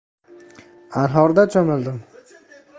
anhorda cho'mildim